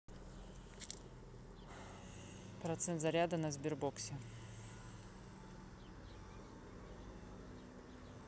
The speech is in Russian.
процент заряда на сбербоксе